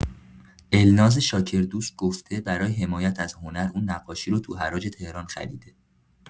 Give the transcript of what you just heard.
الناز شاکردوست گفته برا حمایت از هنر اون نقاشی رو تو حراج تهران خریده.